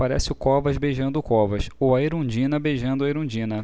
parece o covas beijando o covas ou a erundina beijando a erundina